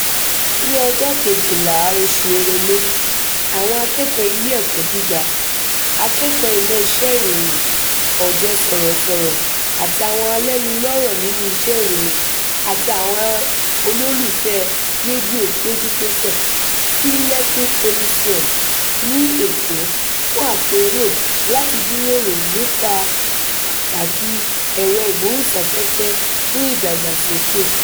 Ní ọjọ́ 12 oṣù Èrèlé, àwọn akẹ́kọ̀ọ́ ilé ẹ̀kọ́ gíga, akẹ́kọ̀ọ́ ìmọ̀ iṣẹ́ ìròyìn, ọ̀jẹ̀ sọ̀rọ̀sọ̀rọ̀ àti àwọn alẹ́nulọ́rọ̀ nínú iṣẹ́ ìròyìn àti àwọn olólùfẹ́ẹ̀ rédíò péjúpésẹ̀ sí Lekki Coliseum ní Èkó fún àpérò láti jíròrò nípa pàtàkìi ẹ̀rọ-ìgbóhùnsáfẹ́fẹ́ fún ìdàgbàsókè.